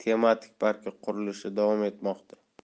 tematik parki qurilishi davom etmoqda